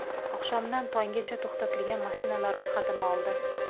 oqshomdan tonggacha to'xtatilgan mashinalarning ro'yxatini oldirdi